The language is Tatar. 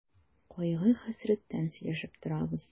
Кайгы-хәсрәттән сөйләшеп торабыз.